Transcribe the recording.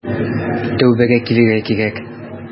Тәүбәгә килергә кирәк.